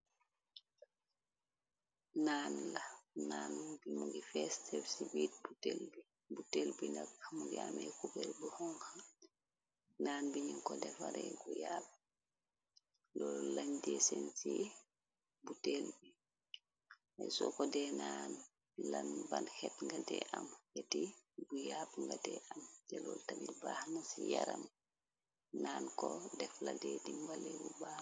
naan la naan bi mo ngi feester ci biit bu tel bi nak amuyaamee couber bu hona naan bi ñin ko defaree guyaab lo lañ jeseen ci bu teel bi ay so ko deenaan lan ban xet nga dee am nyeti guyapb nga dee am telool tamil baaxna ci yaram naan ko defla dee di mbaleebu baa